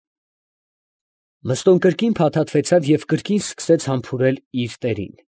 Մըստոն կրկին փաթաթվեցավ և կրկին սկսեց համբուրել իր տերին։ ֊